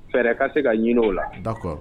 Fɛɛrɛ ka se ka ɲinin o la